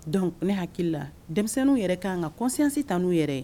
Don ne hakili la denmisɛnninw yɛrɛ ka kan ka kɔsisansi t n'u yɛrɛ